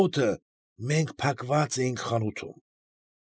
Օդը, մենք փակված էինք խանութում։